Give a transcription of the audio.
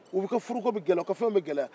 u ka furuko bɛ gɛlɛya u ka fɛnw bɛ gɛlɛya